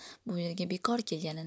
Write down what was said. bu yerga bekor kelganini